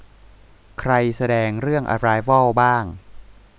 ใครแสดงเรื่องอะไรวอลบ้าง